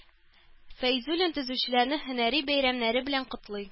Фәйзуллин төзүчеләрне һөнәри бәйрәмнәре белән котлый